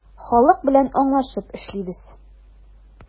Халык белән аңлашып эшлибез.